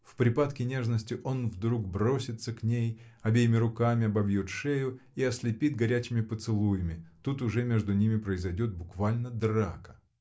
В припадке нежности он вдруг бросится к ней, обеими руками обовьет шею и облепит горячими поцелуями: тут уже между ними произойдет буквально драка.